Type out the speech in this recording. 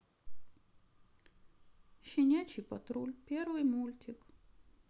щенячий патруль первый мультик